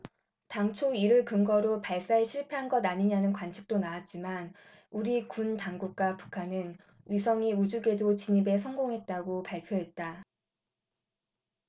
당초 이를 근거로 발사에 실패한 것 아니냐는 관측도 나왔지만 우리 군 당국과 북한은 위성이 우주궤도 진입에 성공했다고 발표했다